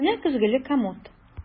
Кечкенә көзгеле комод.